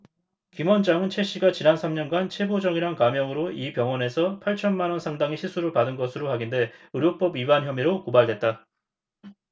김 원장은 최씨가 지난 삼 년간 최보정이란 가명으로 이 병원에서 팔천 만원 상당의 시술을 받은 것으로 확인돼 의료법 위반 혐의로 고발됐다